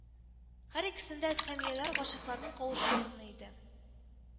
Һәр икесендә эскәмияләр гашыйкларның кавышу урыны иде